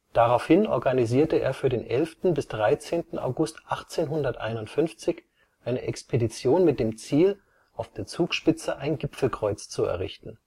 Daraufhin organisierte er für den 11. bis 13. August 1851 eine Expedition mit dem Ziel, auf der Zugspitze ein Gipfelkreuz zu errichten